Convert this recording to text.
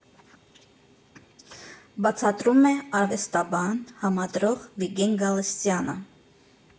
Բացատրում է արվեստաբան, համադրող Վիգեն Գալստյանը։